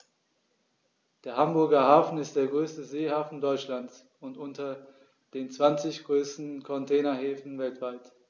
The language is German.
Der Hamburger Hafen ist der größte Seehafen Deutschlands und unter den zwanzig größten Containerhäfen weltweit.